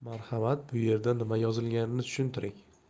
marhamat bu yerda nima yozilganini tushuntiring